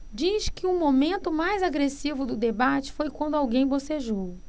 diz que o momento mais agressivo do debate foi quando alguém bocejou